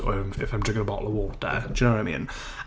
Or, um, if I'm drinking a bottle of water, do you know what I mean?